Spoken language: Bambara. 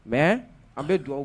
Mɛ an bɛ dugawu aw